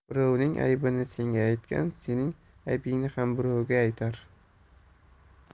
birovning aybini senga aytgan sening aybingni ham birovga aytar